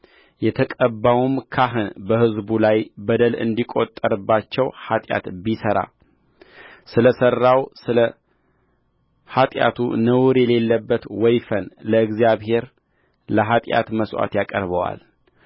የተቀባውም ካህን በሕዝቡ ላይ በደል እንዲቈጠርባቸው ኃጢአት ቢሠራ ስለ ሠራው ስለ ኃጢአቱ ነውር የሌለበት ወይፈን ለእግዚአብሔር ለኃጢአት መሥዋዕት ያቀርበዋል